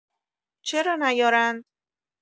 چرا نیارند؟